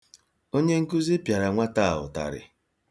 Onye nkụzi pịara nwata a ụtarị